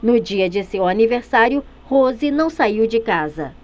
no dia de seu aniversário rose não saiu de casa